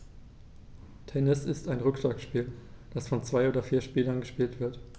Tennis ist ein Rückschlagspiel, das von zwei oder vier Spielern gespielt wird.